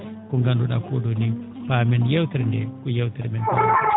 ko ngandu?aa ko?o ni paamen yeewtere nde ko yeewtere men